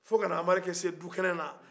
fɔ ka na anbarike se dugukɛnɛ na